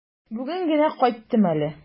Бүген генә кайттым әле.